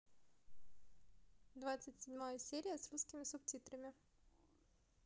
двадцать седьмая серия с русскими субтитрами